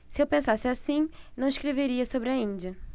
se eu pensasse assim não escreveria sobre a índia